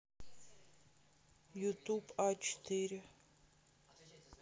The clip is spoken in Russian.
ютуб а четыре